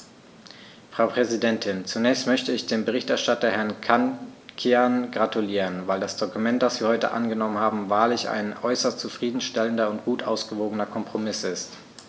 Frau Präsidentin, zunächst möchte ich dem Berichterstatter Herrn Cancian gratulieren, weil das Dokument, das wir heute angenommen haben, wahrlich ein äußerst zufrieden stellender und gut ausgewogener Kompromiss ist.